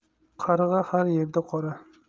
qarg'a har yerda qora